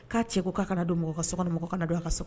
K'a cɛ ko' ka kana don mɔgɔ ka sokɔnɔ mɔgɔ ka na don a ka so kɔnɔ